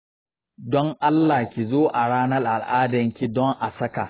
don allah kizo a ranar al'adarki don a saka.